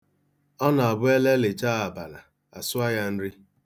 Ọ na-abụ e lelichaa abana, a sụọ ya nri.